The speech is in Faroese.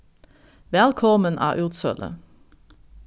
vælkomin á útsølu